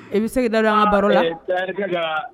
I bɛi segin da baro la